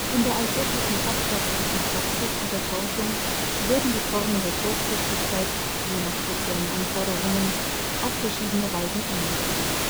In der alltäglichen fachärztlichen Praxis und der Forschung werden die Formen der Kurzsichtigkeit – je nach den speziellen Anforderungen – auf verschiedene Weisen eingeteilt